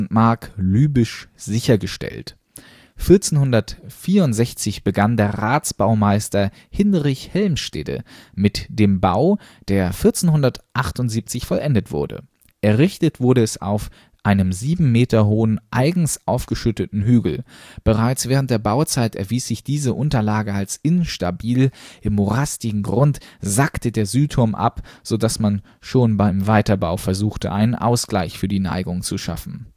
Mark lübisch sichergestellt. 1464 begann der Ratsbaumeister Hinrich Helmstede mit dem Bau, der 1478 vollendet wurde. Errichtet wurde es auf einem sieben Meter hohen, eigens aufgeschütteten Hügel. Bereits während der Bauzeit erwies sich diese Unterlage als instabil. Im morastigen Grund sackte der Südturm ab, so dass man schon beim Weiterbau versuchte, einen Ausgleich für die Neigung zu schaffen